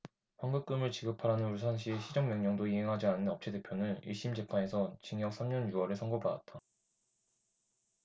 환급금을 지급하라는 울산시의 시정명령도 이행하지 않은 업체대표는 일 심 재판에서 징역 삼 년 유 월을 선고받았다